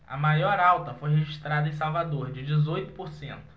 a maior alta foi registrada em salvador de dezoito por cento